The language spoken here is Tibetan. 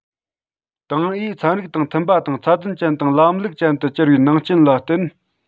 ཏང ཨུས ཚན རིག དང མཐུན པ དང ཚད ལྡན ཅན དང ལམ ལུགས ཅན དུ གྱུར པའི ནང རྐྱེན ལ བརྟེན